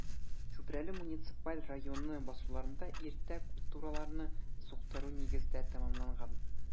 Чүпрәле муниципаль районы басуларында иртә культураларны суктыру нигездә тәмамланган.